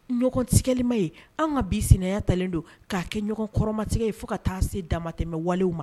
Ɲɔgɔntigɛlima ye an ka bi sɛnɛya talen don k'a kɛ ɲɔgɔn kɔrɔmatigɛgɛ ye fo ka taa se damatɛmɛ walew ma